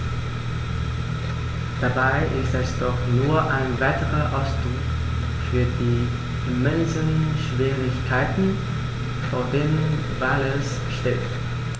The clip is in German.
Dabei ist es doch nur ein weiterer Ausdruck für die immensen Schwierigkeiten, vor denen Wales steht.